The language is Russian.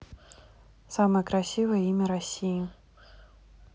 самое красивое имя россии